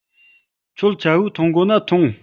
ཁྱོད ཆ བོས འཐུང དགོ ན ཐུངས